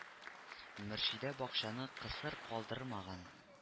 Мөршидә бакчаны кысыр калдырмаган